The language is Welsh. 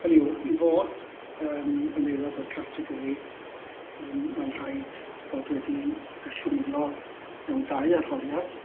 Hynny yw i fod yym yn aelod o'r categori yym mae'n rhaid bod wedi yy llwyddo mewn dau arholiad.